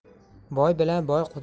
boy bilan boy quda